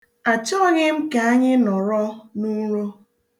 Achọghị m ka anyị nọrọ n'uro.